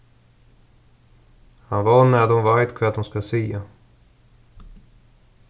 hann vónar at hon veit hvat hon skal siga